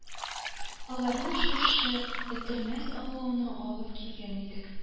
Аларны шушы өтернәс авылына алып килгән идек